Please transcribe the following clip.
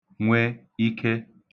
nwe ike